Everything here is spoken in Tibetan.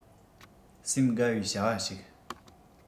སེམས དགའ བའི བྱ བ ཞིག